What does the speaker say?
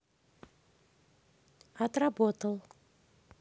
отработал